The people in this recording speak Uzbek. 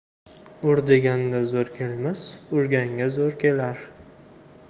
ur deganga zo'r kelmas urganga zo'r kelar